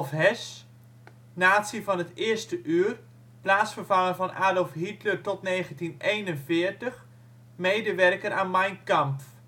Hess (Nazi van het eerste uur, plaatsvervanger van Adolf Hitler tot 1941, medewerker aan Mein Kampf